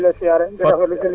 sant Yàlla bu wër bu baax